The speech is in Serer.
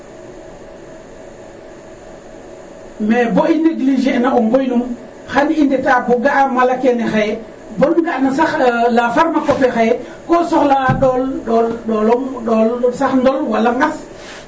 Mais bo i négliger na mboynum xan i ndetaa bo ga'a mala kene xaye bo nu nga'na sax la pharma copé xaye ko soxla a ɗool ɗool sax ndol, wala nqas,